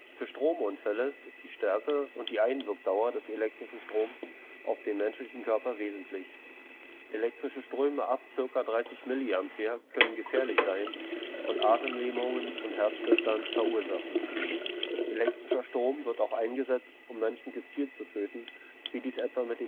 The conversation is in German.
Für Stromunfälle ist die Stärke und die Einwirkdauer des elektrischen Stromes auf den menschlichen Körper wesentlich. Elektrische Ströme ab zirka 30 mA können gefährlich sein und Atemlähmungen und Herzstillstand verursachen. Elektrischer Strom wird auch eingesetzt, um Menschen gezielt zu töten, wie dieses etwa mit